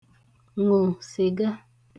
ṅụ sị̀ga